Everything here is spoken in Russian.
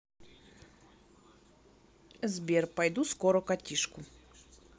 сбер пойду скоро котишку